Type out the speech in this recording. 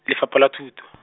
Lefapha la Thuto .